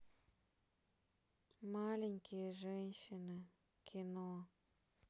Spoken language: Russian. маленькие женщины кино